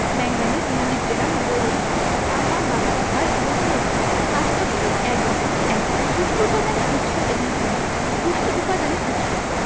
manganese molybdenum boron তামা বা copper এবং ক্লোরিন ৫.১.১ পুষ্টি উপাদানের উৎস এবং ভূমিকা পুষ্টি উপাদানের উৎস